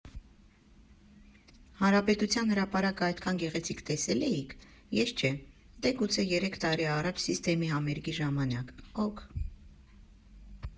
Հանրապետության հրապարակը այդքան գեղեցիկ տեսե՞լ էիք, ես՝ չէ (դե, գուցե երեք տարի առաջ Սիսթեմի համերգի ժամանակ, օք)։